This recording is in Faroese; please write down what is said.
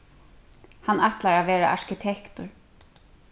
hann ætlar at vera arkitektur